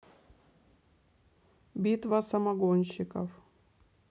битва самогонщиков